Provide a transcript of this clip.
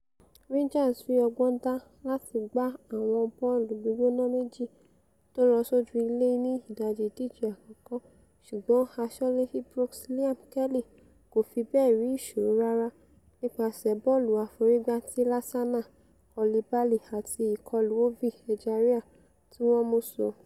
Rangers rí ọgbọ́n dá láti gba àwọn bọ́ọ̀lù gbígbóná méjì tólọ sójú ilé ni ìdajì ìdíje àkọ́kọ́ ṣùgbọ́n aṣọ́lé Ibrox Liam Kelly kòfi bẹ́ẹ̀ rí ìsọro rárá nípaṣẹ̀ bọ́ọ̀lù aforígbá ti Lassana Coulibaly àti ìkọlù Ovie Ejaria tíwọn mú ṣo.